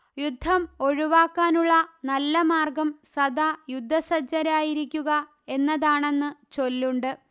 യുദ്ധം ഒഴിവാക്കാനുള്ള നല്ല മാർഗം സദാ യുദ്ധസജ്ജരായിരിക്കുക എന്നതാണെന്ന് ചൊല്ലുണ്ട്